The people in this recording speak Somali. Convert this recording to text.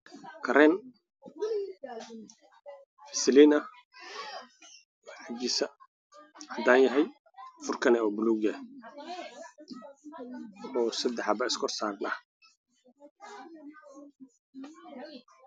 Kareen fasaliin ah korkiisa cadaan yahay furkana buluug yahay